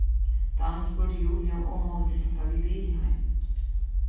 dan spurdi juliu um hon vildi sleppa við bili heim